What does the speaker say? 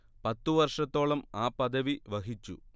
പത്തു വർഷത്തോളം ആ പദവി വഹിച്ചു